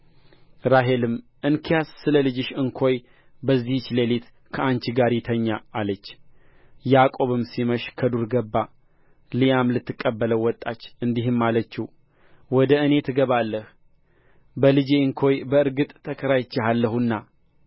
ራሔልም እንኪያስ ስለ ልጅሽ እንኮይ በዚህች ሌሊት ከአንቺ ጋር ይተኛ አለች ያዕቆብም ሲመሽ ከዱር ገባ ልያም ልትቀበለው ወጣች እንዲህም አለችው ወደ እኔ ትገባለህ በልጄ እንኮይ በእርግጥ ተከራይቼሃለሁና